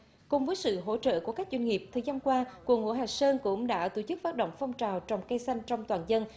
cùng với sự hỗ trợ của các doanh nghiệp thời gian qua của ngũ hành sơn cũng đã tổ chức phát động phong trào trồng cây xanh trong toàn dân